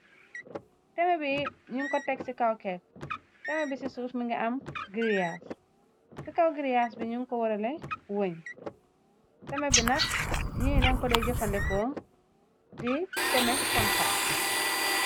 Teme bi ñuñ ko teg ci kaw herr. Teme bi ci suuf mi nga am giriaas ci kaw giriaas bi ñuñ ko warale wëñ. Tema bi nak ñuñ dan kodey jëfandekoo di teme sankal.